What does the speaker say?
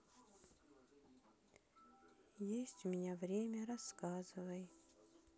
есть у меня время рассказывай